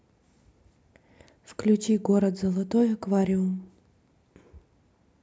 включи город золотой аквариум